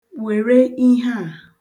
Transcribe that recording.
Were ihe a.